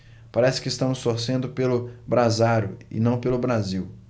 parece que estamos torcendo pelo brasário e não pelo brasil